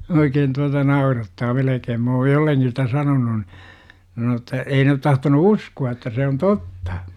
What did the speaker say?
oikein tuota naurattaa melkein minä olen jollekin sitä sanonut ne ne on sanoo jotta ei ne ole tahtonut uskoa että se on totta